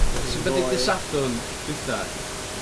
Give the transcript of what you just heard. Wedyn ddoe... So be 'di dydd Sadwrn dwytha?